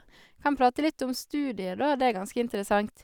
Kan prate litt om studiet, da, det er ganske interessant.